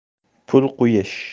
pul qo'yish